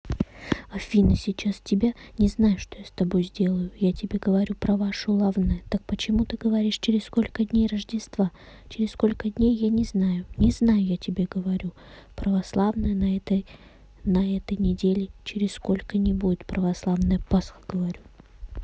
афина сейчас тебя не знаю что я с тобой сделаю я тебе говорю про вашу лавная так почему ты говоришь через сколько дней рождества через сколько дней я не знаю не знаю я тебе говорю православное на этой на этой неделе через сколько небудет православная пасха говорю